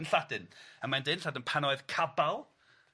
Yn Lladin a mae'n deu yn Lladin pan oedd Cabal